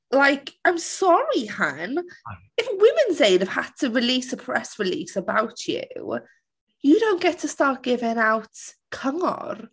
Like I'm sorry hun if a Women's Aid have had to release a press release about you, you don't get to start giving out cyngor.